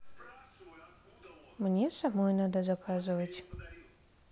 мне самой надо заказывать